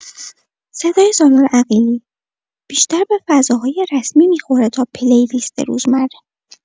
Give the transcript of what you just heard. صدای سالار عقیلی بیشتر به فضاهای رسمی می‌خوره تا پلی‌لیست روزمره.